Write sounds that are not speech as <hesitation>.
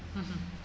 <hesitation> <hesitation>